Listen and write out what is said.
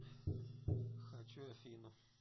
хочу афину